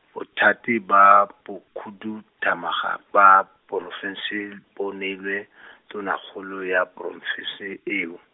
bothati ba , bokhuduthamaga ba porofense, bo neilwe , tonakgolo, ya porofense eo.